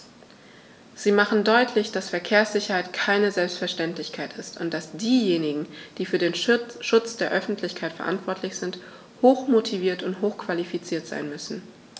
Sie machen deutlich, dass Verkehrssicherheit keine Selbstverständlichkeit ist und dass diejenigen, die für den Schutz der Öffentlichkeit verantwortlich sind, hochmotiviert und hochqualifiziert sein müssen.